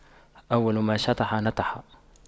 أول ما شطح نطح